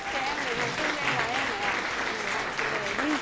thế em mới nhắn tin cho em gái em bảo là mày gọi chị về đi